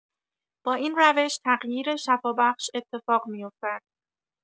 با این روش، تغییر شفابخش اتفاق می‌افتد.